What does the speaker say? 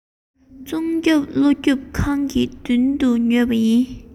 རྫོང རྒྱབ ཀླུ ཁང གི མདུན དེ ནས ཉོས པ ཡིན